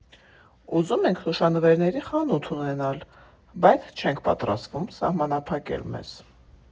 Ուզում ենք հուշանվերների խանութ ունենալ, բայց չենք պատրաստվում սահմանափակել մեզ։